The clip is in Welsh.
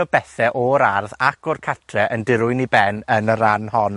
o bethe o'r ardd ac o'r catre yn dirwyn i ben yn y rhan hon.